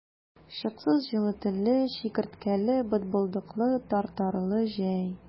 Чыксыз җылы төнле, чикерткәле, бытбылдыклы, тартарлы җәй!